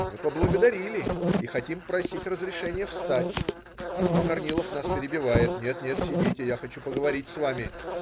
Мы поблагодарили и хотим просить разрешения встать, но Корнилов нас перебивает: "Нет, нет, сидите, я хочу поговорить с вами.